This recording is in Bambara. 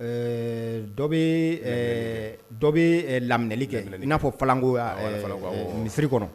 Dɔ bɛ dɔ bɛ lamli kɛ i n'afɔ falalanko misisiriri kɔnɔ